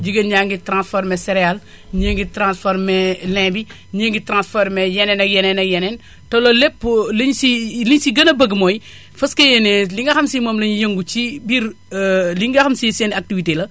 jigéen ñaa ngi transformé céréale ñii a ngi transformé lin bi ñii a ngi transformé yeneen ak yeneen ak yeneen te loolu lépp li ñu si li ñu si gën a bëgg mooy fas yéene li nga si moom la ñuy yëngu ci ci biir li nga xam si seen i activité